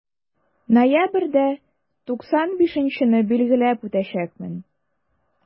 Ноябрьдә 95 не билгеләп үтәчәкмен.